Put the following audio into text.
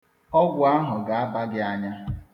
Ọgwụ ahụ ga-aba gị anya.